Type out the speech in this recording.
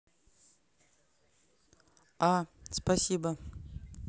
а спасибо